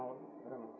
mawɗo vraiment